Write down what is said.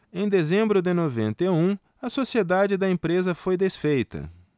em dezembro de noventa e um a sociedade da empresa foi desfeita